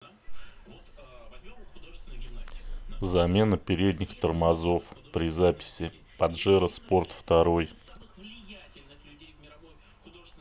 замена передних тормозов при записи паджеро спорт второй